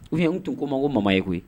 U ye anw tun ko ma ko mama ye koyi